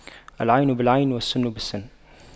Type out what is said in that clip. العين بالعين والسن بالسن